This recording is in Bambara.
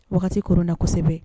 Wagati korona kosɛbɛ.